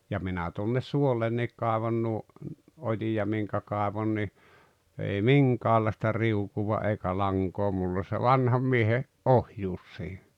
ja minä tuonne suollekin kaivoin nuo ojia minkä kaivoin niin ei minkäänlaista riukua eikä lankaa minulla oli se vanhan miehen ohjuus siinä